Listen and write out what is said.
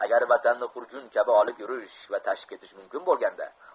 agar vatanni xurjun kabi olib yurish va tashib ketish mumkin bo'lganda